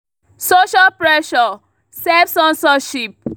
Social pressure, self-censorship